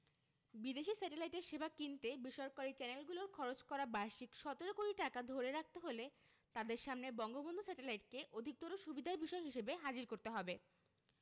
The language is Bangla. বিদেশি স্যাটেলাইটের সেবা কিনতে বেসরকারি চ্যানেলগুলোর খরচ করা বার্ষিক ১৭ কোটি টাকা ধরে রাখতে হলে তাদের সামনে বঙ্গবন্ধু স্যাটেলাইটকে অধিকতর সুবিধার বিষয় হিসেবে হাজির করতে হবে